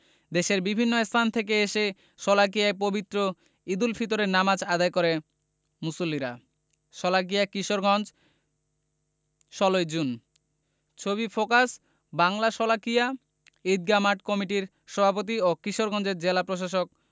দেশের বিভিন্ন স্থান থেকে এসে শোলাকিয়ায় পবিত্র ঈদুল ফিতরের নামাজ আদায় করেন মুসল্লিরা শোলাকিয়া কিশোরগঞ্জ ১৬ জুন ছবি ফোকাস বাংলাশোলাকিয়া ঈদগাহ মাঠ কমিটির সভাপতি ও কিশোরগঞ্জের জেলা প্রশাসক